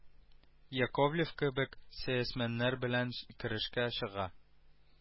Яковлев кебек сәясмәннәр белән көрәшкә чыга